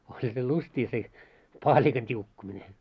olihan se lystia se paalikan tiukkuminen